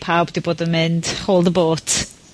a pawb 'di bod yn mynd hold the boat.